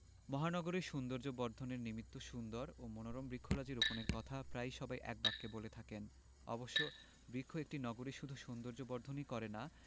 মহানগরীর সৌন্দর্যবর্ধনের নিমিত্ত সুন্দর ও মনোরম বৃক্ষরাজি রোপণের কথা প্রায় সবাই একবাক্যে বলে থাকেন অবশ্য বৃক্ষ একটি নগরীর শুধু সৌন্দর্যবর্ধনই করে না